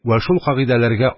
Вә шул кагыйдәләргә